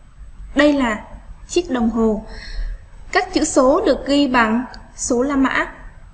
đây là chiếc đồng hồ các chữ số được ghi bằng số la mã